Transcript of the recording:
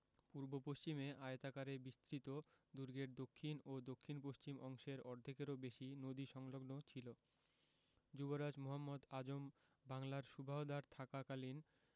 পূর্ব পশ্চিমে আয়তাকারে বিস্তৃত দুর্গের দক্ষিণ ও দক্ষিণপশ্চিম অংশের অর্ধেকেরও বেশি নদী সংলগ্ন ছিল' যুবরাজ মুহম্মদ আজম বাংলার সুবাহদার থাকাকালীন